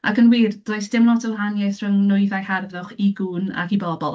Ac yn wir, does dim lot o wahaniaeth rhwng nwyddau harddwch i gŵn ac i bobl.